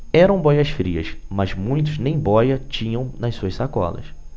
eram bóias-frias mas muitos nem bóia tinham nas suas sacolas